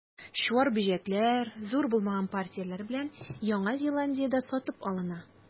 Чуар бөҗәкләр, зур булмаган партияләр белән, Яңа Зеландиядә сатып алына.